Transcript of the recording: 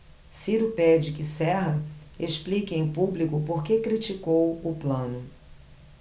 ciro pede que serra explique em público por que criticou plano